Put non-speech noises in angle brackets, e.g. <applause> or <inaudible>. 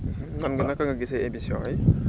<hesitation> <hesitation> nan nga naka nga gisee émissions yi